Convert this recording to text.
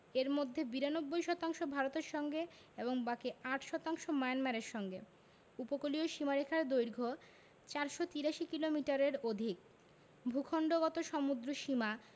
এর মধ্যে ৯২ শতাংশ ভারতের সঙ্গে এবং বাকি ৮ শতাংশ মায়ানমারের সঙ্গে উপকূলীয় সীমারেখার দৈর্ঘ্য ৪৮৩ কিলোমিটারের অধিক ভূখন্ডগত সমুদ্রসীমা